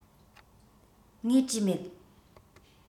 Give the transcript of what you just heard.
ངས བྲིས མེད